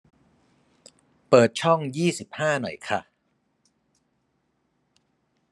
เปิดช่องยี่สิบห้าหน่อยคะ